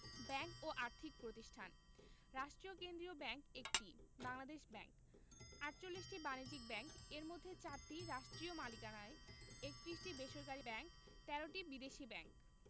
bank ও আর্থিক প্রতিষ্ঠানঃ রাষ্ট্রীয় কেন্দ্রীয় ব্যাংক ১টি বাংলাদেশ ব্যাংক ৪৮টি বাণিজ্যিক ব্যাংক এর মধ্যে ৪টি রাষ্ট্রীয় মালিকানায় ৩১টি দেশী বেসরকারি ব্যাংক ১৩টি বিদেশী ব্যাংক